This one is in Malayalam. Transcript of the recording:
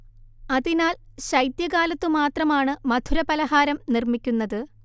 അതിനാൽ ശൈത്യകാലത്തു മാത്രമാണ് മധുരപലഹാരം നിർമ്മിക്കുന്നത്